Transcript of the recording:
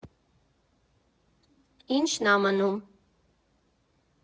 Ի՞նչն ա մնում։